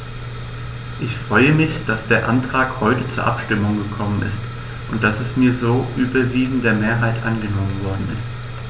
Ich freue mich, dass der Antrag heute zur Abstimmung gekommen ist und dass er mit so überwiegender Mehrheit angenommen worden ist.